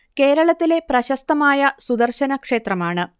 കേരളത്തിലെ പ്രശസ്തമായ സുദർശന ക്ഷേത്രം ആണ്